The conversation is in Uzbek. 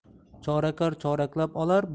chorakor choraklab olar